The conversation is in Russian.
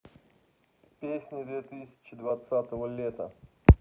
песни две тысячи двадцатого лета